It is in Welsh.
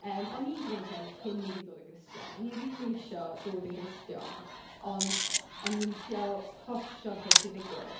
Yym o'n i'n gwneud hyn cyn i fi dod yn Gristion. O'n i rili isie dod yn Gristion ond o'n i'n treial fforsio'r peth i ddigwydd.